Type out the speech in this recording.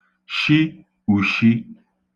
shi ùshī